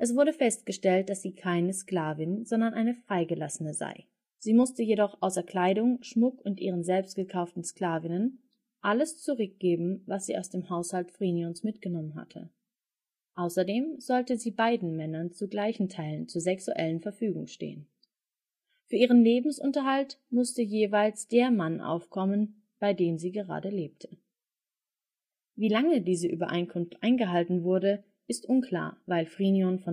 Wahl. Es wurde festgestellt, dass sie keine Sklavin, sondern eine Freigelassene sei. Sie musste jedoch außer Kleidung, Schmuck und ihren selbst gekauften Sklavinnen alles zurückgeben, was sie aus dem Haushalt Phrynions mitgenommen hatte. Außerdem sollte sie beiden Männern zu gleichen Teilen zur sexuellen Verfügung stehen. Für ihren Lebensunterhalt musste jeweils der Mann aufkommen, bei dem sie gerade lebte. Wie lange diese Übereinkunft eingehalten wurde, ist unklar, weil Phrynion